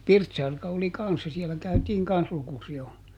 Pirtsarka oli kanssa siellä käytiin kanssa lukusijoilla